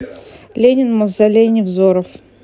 ленин мавзолей невзоров